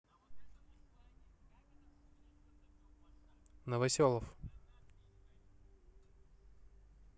новоселов